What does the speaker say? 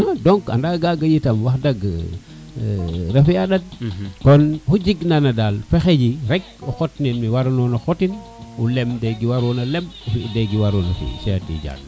donc kaga itam wax deg refe a ndat kon oxu jig na dal fexeyi rek o xot nin me wara nona xotin o ;lem de ge warona lem o fi de ge waronea fi Cheikh Tidiane